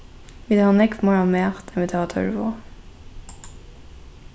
vit hava nógv meira mat enn vit hava tørv á